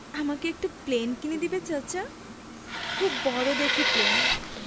আমাকে একটা প্লেন কিনে দিবে চাচা খুব বড় দেখে প্লেন